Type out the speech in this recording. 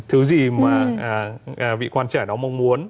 thứ gì mà à à vị quan trẻ đó mong muốn